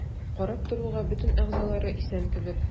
Карап торуга бөтен әгъзалары исән кебек.